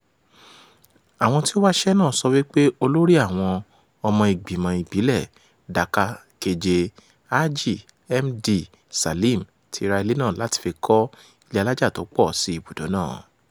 Àwọn tí ó wá ṣiṣẹ́ náà sọ wípé olóríi àwọn, ọmọ ìgbìmọ̀ ìbílẹ̀ (Dhaka-7) Haji Md. Salim, ti ra ilẹ̀ náà láti fi kọ́ ilé alájà tó pọ̀ sí ibùdó náà.